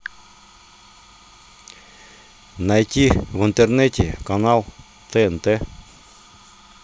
найти в интернете канал тнт